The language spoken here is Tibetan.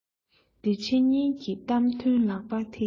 འདི ཕྱི གཉིས ཀྱི གཏམ དོན ལག པའི མཐིལ